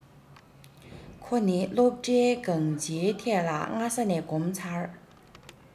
ཁོ ནི སློབ གྲྭའི གང སྤྱིའི ཐད ལ སྔ ས ནས གོམ ཚར